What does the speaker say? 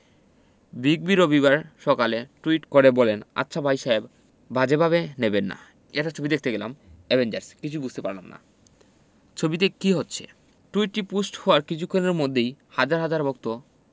big B রবিবার সকালে tweet করে বলেন আচ্ছা ভাই সাহেব বাজে ভাবে নেবেন না একটা ছবি দেখতে গেলাম অ্যাভেঞ্জার্স... কিছু বুঝতে পারলাম না ছবিতে কী হচ্ছে টুইটটি পুস্ট হওয়ার কিছুক্ষণের মধ্যেই হাজার হাজার ভক্ত